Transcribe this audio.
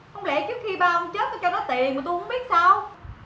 không lẽ trước khi ba ông chết cho nó tiền mà tui không biết sao